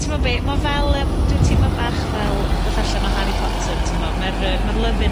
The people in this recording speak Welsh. T'mo' be'? Ma' fel, yym, dwi'n teimlo bach fel rwbeth allan o Harry Potter, t'mo'? Ma'r yy, ma'r love in